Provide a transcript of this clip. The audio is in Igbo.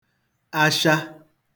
asha